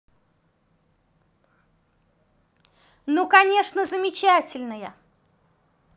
ну конечно замечательная